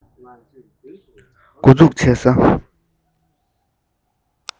མགོ འཛུགས བྱེད ས